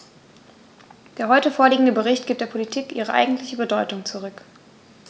Der heute vorliegende Bericht gibt der Politik ihre eigentliche Bedeutung zurück.